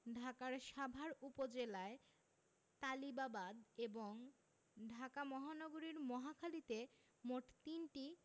ঢাকার সাভার উপজেলায় তালিবাবাদ এবং ঢাকা মহানগরীর মহাখালীতে মোট তিনটি